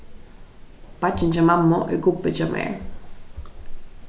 beiggin hjá mammu er gubbi hjá mær